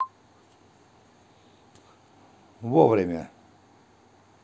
вовремя